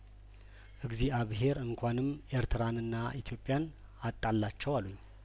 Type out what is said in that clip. እግዚአብሄር እንኳንም ኤርትራንና ኢትዮጵያን አጣላቸው አሉኝ